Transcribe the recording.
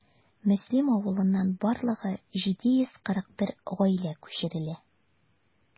Мөслим авылыннан барлыгы 741 гаилә күчерелә.